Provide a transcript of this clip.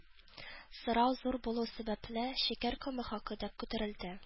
Сорау зур булу сәбәпле, шикәр комы хакы да күтәрелде